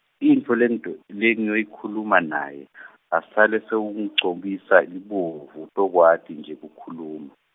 intfo lengitoy- lengiyoyikhuluma naye , asale sewumugcobisa libovu, utokwati ke kukhuluma.